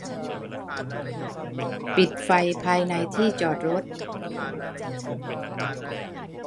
ปิดไฟภายในที่จอดรถ